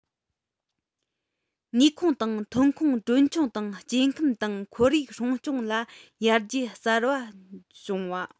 ནུས ཁུངས དང ཐོན ཁུངས གྲོན ཆུང དང སྐྱེ ཁམས དང ཁོར ཡུག སྲུང སྐྱོང ལ ཡར རྒྱས གསར པ བྱུང བ